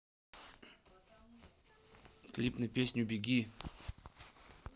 клип на песню беги